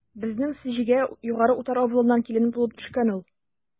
Безнең Сеҗегә Югары Утар авылыннан килен булып төшкән ул.